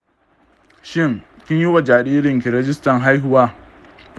shi kin yi wa jaririnki rijistar haihuwa?